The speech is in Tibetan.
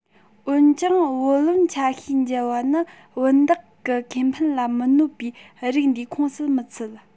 འོན ཀྱང བུ ལོན ཆ ཤས བཅལ བ དེས བུན བདག གི ཁེ ཕན ལ མི གནོད པའི རིགས འདིའི ཁོངས སུ མི ཚུད